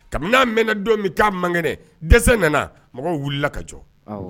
Kabini n' mɛnna don min taaa man kɛnɛ dɛsɛ nana mɔgɔw wulila ka jɔ